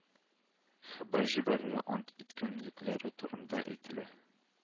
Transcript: Хәбәр җибәрергә ант иткәнлекләре турында әйтелә